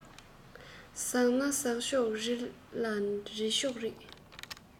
ཟག ན ཟག ཆོག རིལ ན རིལ ཆོག རེད